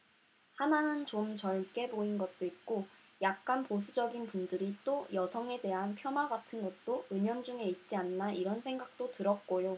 하나는 좀 젊게 보인 것도 있고 약간 보수적인 분들이 또 여성에 대한 폄하 같은 것도 은연중에 있지 않나 이런 생각도 들었고요